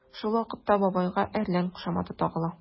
Шул вакытта бабайга “әрлән” кушаматы тагыла.